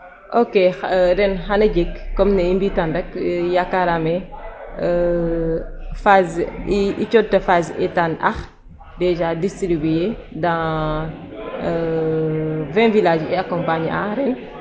Ok :aa ren xan a jeg comme ne i mbi'tan rek yakaaraam ee phase i cooxta phase eetaan ax dèja distribuer: far dans 20 villages i accompagner a ren.